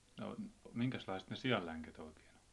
no minkäslaiset ne sianlänget oikein on